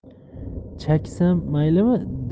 chaksam maylimi